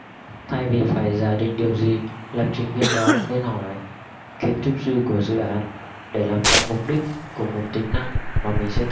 thay vì phải giả định điều gì lập trình viên đó nên hỏi kiến trúc sư của dự án để làm rõ mục đích của một tính năng mà mình sẽ